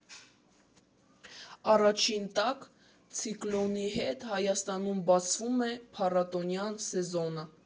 Առաջին տաք ցիկլոնի հետ Հայաստանում բացվում է փառատոնային սեզոնը։